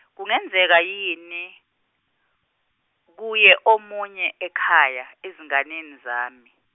kungenzeka yini, kuye omunye ekhaya ezinganeni zami.